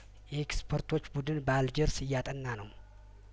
የኤክስፐርቶች ቡድን በአልጀርስ እያጠና ነው